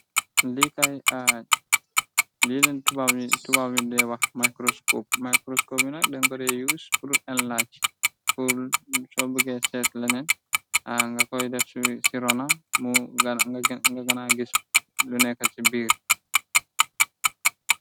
liikay aaj li leen tubaw yi tubaw yu de wax microscope, microscope yunak denkoree us pru nlac, pol soo bge seet leneen, a nga koy def ci rona, mu nga gana gis lu nekk ci biir.